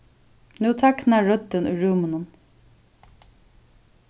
nú tagnar røddin í rúminum